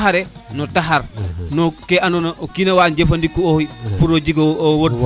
no xare no taxar no ke ando na o kin awa jëfëndiko rin pour o jeg o wod